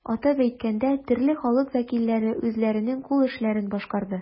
Атап әйткәндә, төрле халык вәкилләре үзләренең кул эшләрен башкарды.